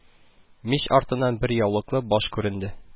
Мич артыннан бер яулыклы баш күренде